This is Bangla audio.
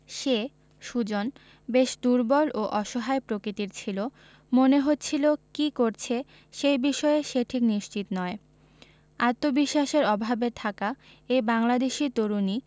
সে সুজন বেশ দুর্বল ও অসহায় প্রকৃতির ছিল মনে হচ্ছিল কী করছে সেই বিষয়ে সে ঠিক নিশ্চিত নয় আত্মবিশ্বাসের অভাবে থাকা এই বাংলাদেশি তরুণই